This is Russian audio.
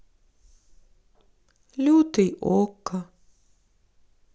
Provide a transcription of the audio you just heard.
лютый окко